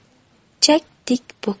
chak tik puk